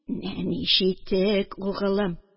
Нәни читек, угылым